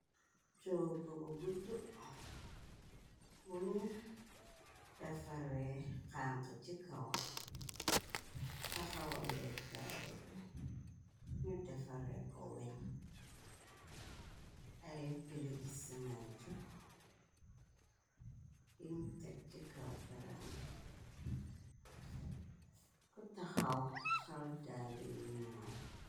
Toogu bu guddu buñu defare xanx ci kaw, taxawalekaaye bi ñu defaree ko weñ, ay birgi siment yiñ teg ci kaw peran bi, ku taxaw sol daale yu ñuul.